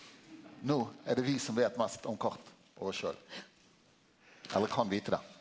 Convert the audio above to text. nå er det vi som veit mest om kart og oss sjølv eller kan vite det.